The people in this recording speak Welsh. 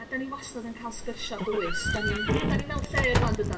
a 'dan ni wastod yn cael sgyrsio dwys 'dan ni'n 'dan ni mewn lle rŵan dydan?